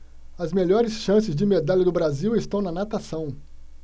as melhores chances de medalha do brasil estão na natação